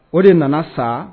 O de nana sa